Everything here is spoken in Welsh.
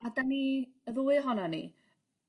A 'dan ni y ddwy ohonon ni